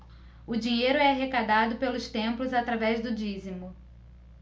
o dinheiro é arrecadado pelos templos através do dízimo